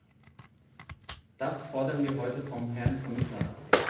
Das fordern wir heute vom Herrn Kommissar.